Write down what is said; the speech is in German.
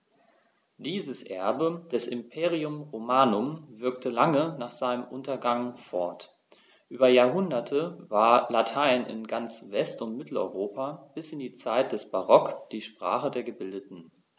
Dieses Erbe des Imperium Romanum wirkte lange nach seinem Untergang fort: Über Jahrhunderte war Latein in ganz West- und Mitteleuropa bis in die Zeit des Barock die Sprache der Gebildeten.